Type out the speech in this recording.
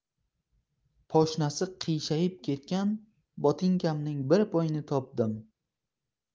poshnasi qiyshayib ketgan botinkamning bir poyini topdim